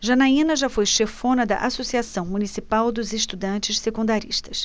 janaina foi chefona da ames associação municipal dos estudantes secundaristas